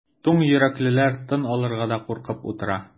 Туң йөрәклеләр тын алырга да куркып утыра.